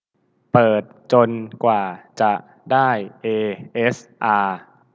เปิดจนกว่าจะได้เอเอสอา